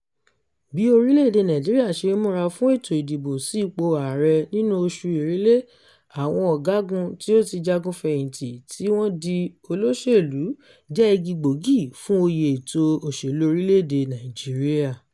Bí orílẹ̀-èdè Nàìjíríà ṣe ń múra fún ètò ìdìbò sí ipò Ààrẹ nínú Oṣù Èrèlé, àwọn ọ̀gágun tí ó ti jagun fẹ̀yìntì tí wọn di olóṣèlú, jẹ́ igi gbòógì fún òye ètò òṣèlú orílẹ̀-èdè Nàìjíríà.